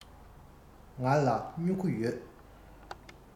ང ལ སྨྱུ གུ ཡོད